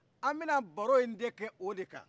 an bɛ na baro in de kɛ o de kan